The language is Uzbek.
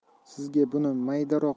sizga buni maydaroq